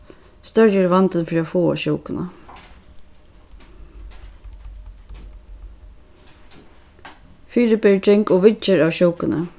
størri er vandin fyri at fáa sjúkuna fyribyrging og viðgerð av sjúkuni